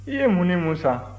i ye mun ni mun san